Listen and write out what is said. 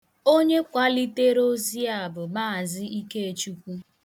Onye kwalitere ozi a bụ Mz. Ikechukwu.